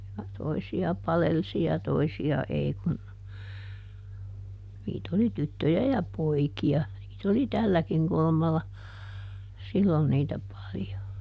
ja toisia palelsi ja toisia ei kun niitä oli tyttöjä ja poikia niitä oli tälläkin kulmalla silloin niitä paljon